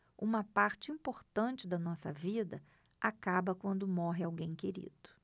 uma parte importante da nossa vida acaba quando morre alguém querido